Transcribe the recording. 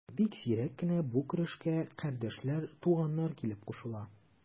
Бик сирәк кенә бу көрәшкә кардәшләр, туганнар килеп кушыла.